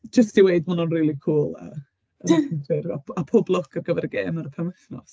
Jyst i weud ma' hwnna'n rili cwl, a a p- pob lwc ar gyfer y gêm ar y penwythnos.